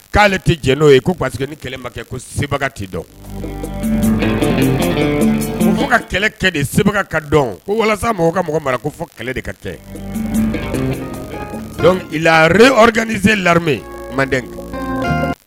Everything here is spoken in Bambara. K koale tɛ diɲɛ n'o ye ko parceseke ni kɛlɛ ma kɛ ko sebaga tɛ dɔn ka kɛlɛkɛ de se ka dɔn ko walasa mɔgɔw ka mɔgɔ mara ko fɔ kɛlɛ de ka tɛ larekani sene la manden